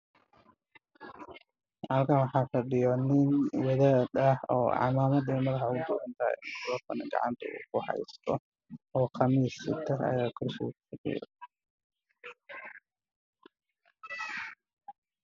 Waa nin khamiis madow qabo oo cimaamad madaxa ugu doorantahay oo ku fadhiya kursi madow ah door ayaa ka dambeeya